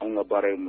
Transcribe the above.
Anw ka baara ye ma